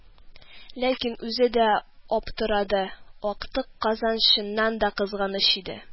Ләкин үзе дә аптырады: актык казан чыннан да кызганыч иде